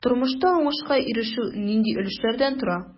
Тормышта уңышка ирешү нинди өлешләрдән тора?